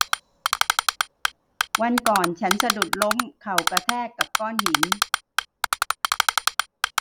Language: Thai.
วันก่อนฉันสะดุดล้มเข่ากระแทกกับก้อนหิน